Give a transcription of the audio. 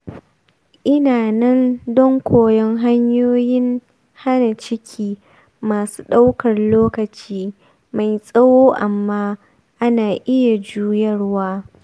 ina nan don koyon hanyoyin hana ciki masu ɗaukar lokaci mai tsawo amma ana iya juyarwa .